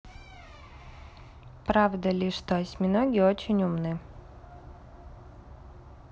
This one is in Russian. правда ли что осьминоги очень умны